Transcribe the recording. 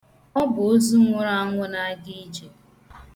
Ọ bụ ozu na-aga ije.